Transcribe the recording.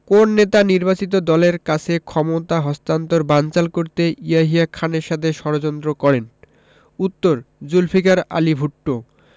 কোন নেতা নির্বাচিত দলের কাছে ক্ষমতা হস্তান্তর বানচাল করতে ইয়াহিয়া খানের সাথে ষড়যন্ত্র করেন উত্তরঃ জুলফিকার আলী ভুট্ট